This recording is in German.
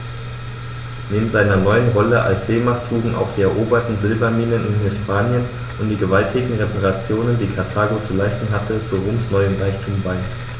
Neben seiner neuen Rolle als Seemacht trugen auch die eroberten Silberminen in Hispanien und die gewaltigen Reparationen, die Karthago zu leisten hatte, zu Roms neuem Reichtum bei.